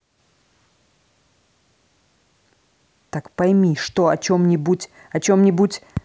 так пойми что о чем нибудь о чем нибудь